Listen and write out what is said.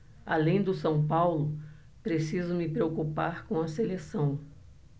além do são paulo preciso me preocupar com a seleção